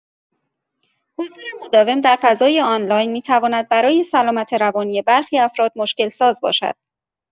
حضور مداوم در فضای آنلاین می‌تواند برای سلامت روانی برخی افراد مشکل‌ساز باشد.